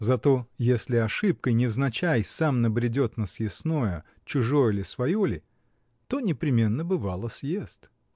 Зато если ошибкой, невзначай, сам набредет на съестное, чужое ли, свое ли, — то непременно, бывало, съест.